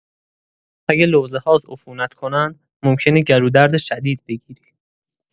اگه لوزه‌هات عفونت کنن، ممکنه گلودرد شدید بگیری.